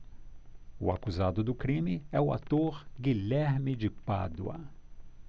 o acusado do crime é o ator guilherme de pádua